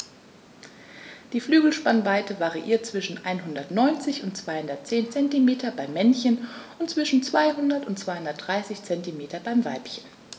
Die Flügelspannweite variiert zwischen 190 und 210 cm beim Männchen und zwischen 200 und 230 cm beim Weibchen.